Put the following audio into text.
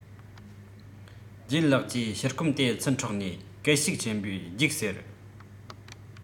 ལྗད ལགས ཀྱིས ཕྱུར སྐོམ དེ ཚུར འཕྲོག ནས སྐད ཤུགས ཆེན པོས རྒྱུགས ཟེར